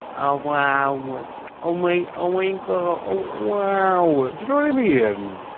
O waw oh my oh my god o waw. Do you know what I mean?